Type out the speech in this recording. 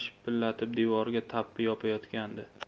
shipillatib devorga tappi yopayotgandi